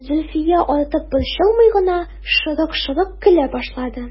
Зөлфия, артык борчылмый гына, шырык-шырык көлә башлады.